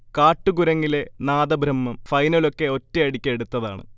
'കാട്ടുകുരങ്ങിലെ നാദബ്രഹ്മം' ഫൈനലൊക്കെ ഒറ്റയടിക്ക് എടുത്തതാണ്